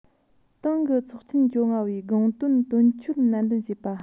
ཏང གི ཚོགས ཆེན ཐེངས བཅོ ལྔ པའི དགོངས དོན དོན འཁྱོལ ནན ཏན བྱེད པ